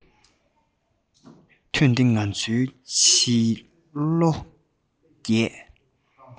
ཐོན ཏེ ང ཚོའི བྱིས བློ རྒྱས